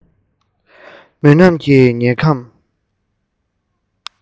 མུན ནག གི དམྱལ ཁམས